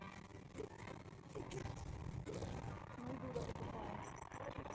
ну и дура ты тупая